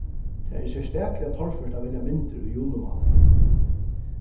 tað er serstakliga torført at velja myndir úr julimánaði